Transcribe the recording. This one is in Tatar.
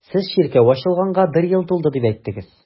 Сез чиркәү ачылганга бер ел тулды дип әйттегез.